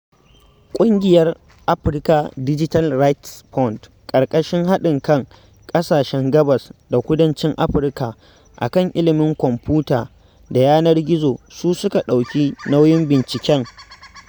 ƙungiyar Africa Digital Rights Fund ƙarƙashin haɗin kan ƙasashen gabas da kudancin Afirka a kan ilimin kwamfuta da yanar gizo su suka ɗauki nauyin binciken.